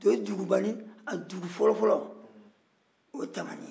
dodugubani a dugu fɔlɔ-fɔlɔ o ye tamani ye